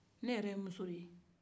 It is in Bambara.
ne yɛrɛ ye muso de ye